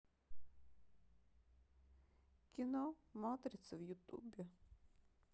кино матрица в ютубе